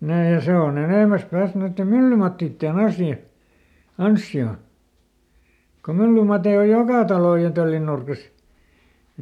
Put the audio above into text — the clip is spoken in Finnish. nämä ja se on enemmästä päästä noiden myllymattien asia ansiota kun myllymatteja on joka talon ja töllin nurkissa